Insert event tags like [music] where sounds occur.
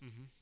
[hesitation] [hesitation]